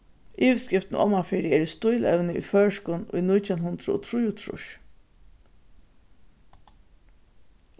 yvirskriftin omanfyri er stílevni í føroyskum í nítjan hundrað og trýogtrýss